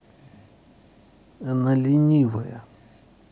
она ленивая